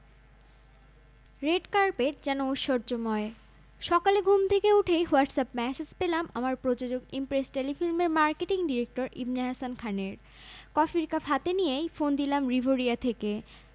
মার্কিন গণমাধ্যম CNN Harry আর মেগানের বিয়ের বিস্তারিত নিয়ে সম্প্রতি এক প্রতিবেদন প্রকাশ করেছে সেখানে তারা রাজকীয় এই বিয়ের ভেন্যু থেকে শুরু করে মেন্যু কনের পোশাক সময়সূচী সব জানিয়ে দিয়েছে